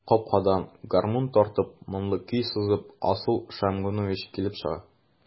Капкадан, гармунын тартып, моңлы көй сызып, Асыл Шәмгунович килеп чыга.